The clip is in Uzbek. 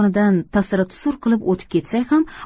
yonidan tasira tusur qilib o'tib ketsak ham